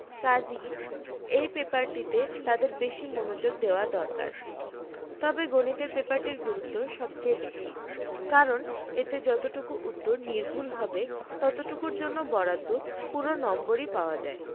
কাজই এই পেপারটিতে তাদের বেশী মনোযোগ দেওয়া দরকার তবে গণিতের পেপারটির গুরুত্ব সবচেয়ে বেশী কারণ এতে যতটুকু উত্তর নির্ভুল হবে ততটুকুর জন্য বরাদ্দ পুরো নম্বরই পাওয়া যায়